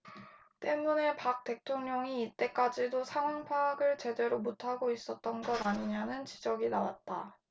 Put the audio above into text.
때문에 박 대통령이 이때까지도 상황 파악을 제대로 못하고 있었던 것 아니냐는 지적이 나왔다